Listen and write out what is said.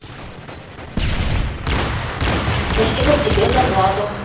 спасибо тебе за плату